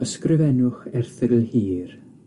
Ysgrifennwch erthygl hir